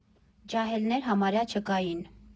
Ջահելներ համարյա չկային.